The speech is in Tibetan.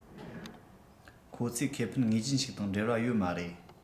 ཁོ ཚོའི ཁེ ཕན ངེས ཅན ཞིག དང འབྲེལ བ ཡོད མ རེད